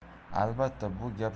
albatta bu gap